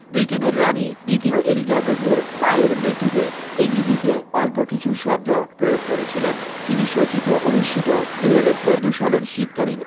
বৃটেনের রানী দ্বিতীয় এলিজাবেথের মায়ের মৃত্যুতে ইংরেজিতে অল্প কিছু শব্দ প্রয়োগ করেছিলেন তিনি সোচিতে অনুষ্ঠিত ২০১৪ সালের শীতকালীন